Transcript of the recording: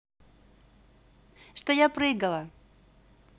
что я прыгала